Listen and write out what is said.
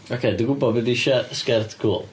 Oce dwi'n gwbod be 'di sie- sgert cwl.